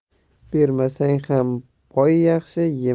bermasa ham boy yaxshi